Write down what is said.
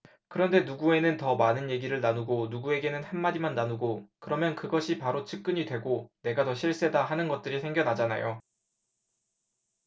그런데 누구에는 더 많은 얘기를 나누고 누구에게는 한 마디만 나누고 그러면 그것이 바로 측근이 되고 내가 더 실세다 하는 것들이 생겨나잖아요